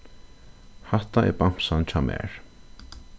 hatta er bamsan hjá mær